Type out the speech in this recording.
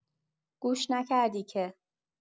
گوش نکردی که.